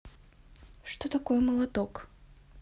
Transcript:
что такое молоток